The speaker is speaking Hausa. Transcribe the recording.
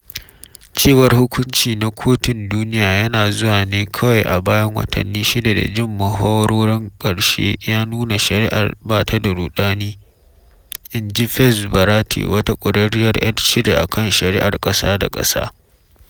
Cewar hukunci na Kotun Duniyar yana zuwa ne kawai a bayan watanni shida da jin mahawarorin ƙarshe ya nuna shari’ar “ba ta da rudani,” inji Paz Zárate wata ƙwararriya ‘yar Chile a kan shari’ar ƙasa-da-ƙasa.